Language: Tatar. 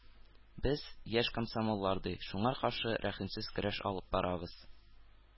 Без, яшь комсомоллар, ди, шуңар каршы рәхимсез көрәш алып барабыз.